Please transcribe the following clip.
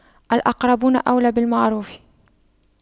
الأقربون أولى بالمعروف